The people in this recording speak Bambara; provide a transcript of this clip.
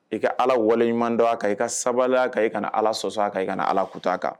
I ka ala waleɲuman don a ka i ka sabali ka i ka kana ala sɔsɔ ka ka ala kuta a kan